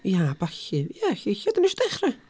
Ia, a ballu, ia 'lly lle dan ni isio dechrau?